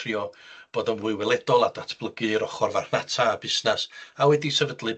trio bod yn fwy weledol a datblygu'r ochor farchnata a busnas a wedi sefydlu...